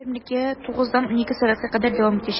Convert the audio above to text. Ярминкә 9 дан 12 сәгатькә кадәр дәвам итәчәк.